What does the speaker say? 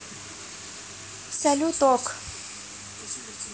салют ок